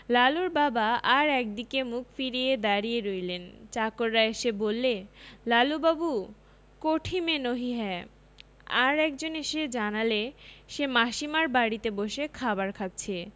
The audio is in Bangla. লালুর বাবা আর একদিকে মুখ ফিরিয়ে দাঁড়িয়ে রইলেন চাকররা এসে বললে লালুবাবু কোঠি মে নহি হ্যায় আর একজন এসে জানালে সে মাসীমার বাড়িতে বসে খাবার খাচ্ছে